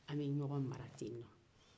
a bɛ ɲɔgɔn mara ten de